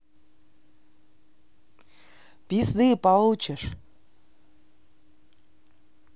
пизды получишь